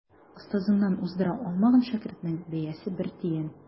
Остазыннан уздыра алмаган шәкертнең бәясе бер тиен.